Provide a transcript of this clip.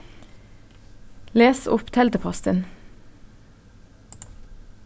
les upp teldupostin